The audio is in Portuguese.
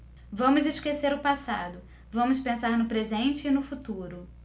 vamos esquecer o passado vamos pensar no presente e no futuro